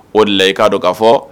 O de la i k'a don ka fɔ